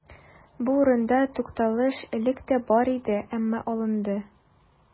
Бу урында тукталыш элек тә бар иде, әмма алынды.